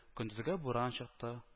Көндезгә буран чыкты